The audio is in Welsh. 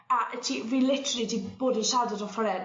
a y- ti fi literally 'di bod yn siarad